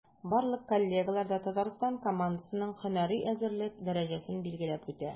Барлык коллегалар да Татарстан командасының һөнәри әзерлек дәрәҗәсен билгеләп үтә.